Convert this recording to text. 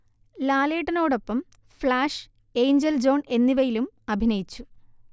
ലാലേട്ടനോടൊപ്പം Flash, Angel John എന്നിവയിലും അഭിനയിച്ചു